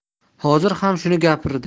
hozir ham shuni gapirdi